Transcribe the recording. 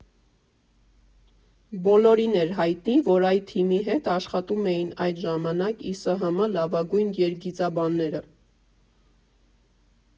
Բոլորին էր հայտնի, որ այդ թիմի հետ աշխատում էին այդ ժամանակ ԽՍՀՄ լավագույն երգիծաբանները։